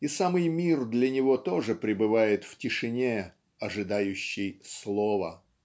и самый мир для него тоже пребывает в тишине ожидающей Слова.